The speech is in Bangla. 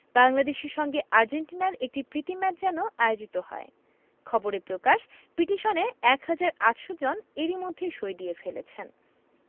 বাংলাদেশের সঙ্গে আর্জেন্টিনার একটি প্রীতি ম্যাচ যেন আয়োজিত হয় খবরে প্রকাশ পিটিশনে ১ হাজার ৮০০ জন এরই মধ্যে সই দিয়ে ফেলেছেন